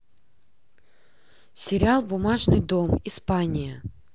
сериал бумажный дом испания